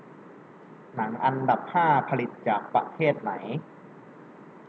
หนังอันดับห้าผลิตจากประเทศไหน